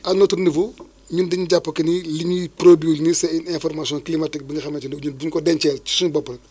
à notre niveau ñun dañu jàpp que ni li ñuy produire nii c' est une information climatique bi nga xamante ni ñun bu ñu ko dencee ci suñu bopp